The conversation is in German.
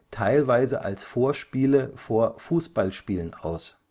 teilweise als Vorspiele vor Fußballspielen aus